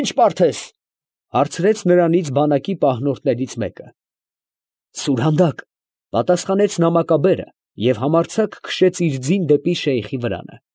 Ի՞նչ մարդ ես, ֊ հարցրեց նրանից բանակի պահնորդներից մեկը։ ֊ Սուրհանդակ, ֊ պատասխանեց նամակաբերը և համարձակ քշեց իր ձին դեպի շեյխի վրանը։